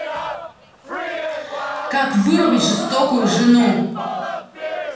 как вырубить жестокую жену